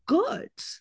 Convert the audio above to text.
Good.